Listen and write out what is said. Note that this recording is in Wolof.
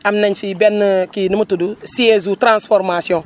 am nañ fi benn kii nu mu tudd siège su transformation